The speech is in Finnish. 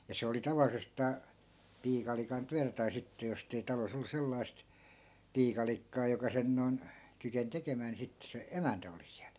ja se oli tavallisestaan piikalikan työtä tai sitten jos ei talossa ollut sellaista piikalikkaa joka sen noin kykeni tekemään niin sitten se emäntä oli siellä